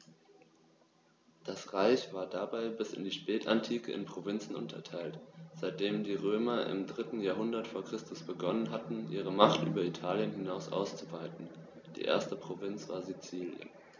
Das Reich war dabei bis in die Spätantike in Provinzen unterteilt, seitdem die Römer im 3. Jahrhundert vor Christus begonnen hatten, ihre Macht über Italien hinaus auszuweiten (die erste Provinz war Sizilien).